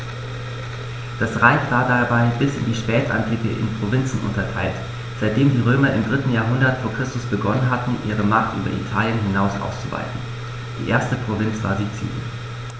Das Reich war dabei bis in die Spätantike in Provinzen unterteilt, seitdem die Römer im 3. Jahrhundert vor Christus begonnen hatten, ihre Macht über Italien hinaus auszuweiten (die erste Provinz war Sizilien).